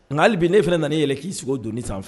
Nka hali bi ne e fana nana i yɛlɛ k'i sigi o doni sanfɛ.